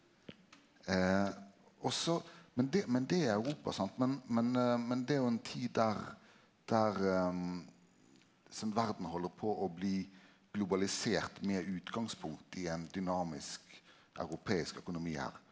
og så men det men det er Europa sant, men men men det er jo ein tid der der liksom verda held på å bli globalisert med utgangspunkt i ein dynamisk europeisk økonomi her.